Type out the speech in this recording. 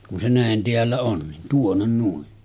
kun se näin täällä on niin tuonne noin